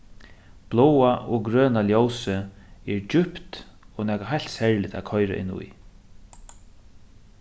bláa og og grøna ljósið er djúpt og nakað heilt serligt at koyra inní